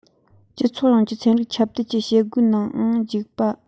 སྤྱི ཚོགས ཡོངས ཀྱི ཚན རིག ཁྱབ གདལ གྱི བྱེད སྒོའི ནང འཇུག པ